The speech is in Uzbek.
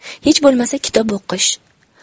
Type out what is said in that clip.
hech bo'lmasa kitob o'qish